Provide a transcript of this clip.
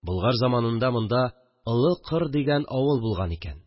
Болгар заманында монда Олы Кыр дигән авыл булган икән